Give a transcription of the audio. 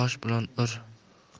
osh bilan ur